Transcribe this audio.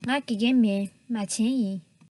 ང དགེ རྒན མིན མ བྱན ཡིན